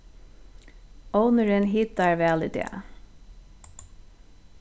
ovnurin hitar væl í dag